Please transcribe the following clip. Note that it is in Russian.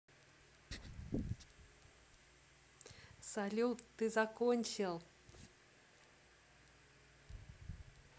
салют ты закончил